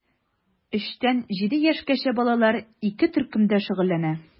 3 тән 7 яшькәчә балалар ике төркемдә шөгыльләнә.